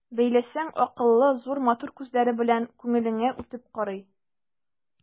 Бәйләсәң, акыллы, зур, матур күзләре белән күңелеңә үтеп карый.